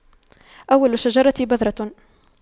أول الشجرة بذرة